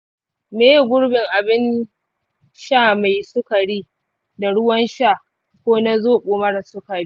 maye gurbin abin sha mai sukari da ruwan sha ko zoɓo mara sukari.